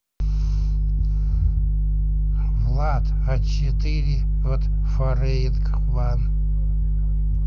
влад а четыре от foreign ван